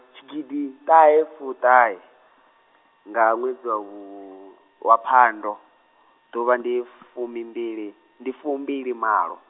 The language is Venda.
tshigidi iṱahefuṱahe, nga ṅwedzi wa vhu, wa phando, ḓuvha ndi fumimbili, ndi fumbilimalo.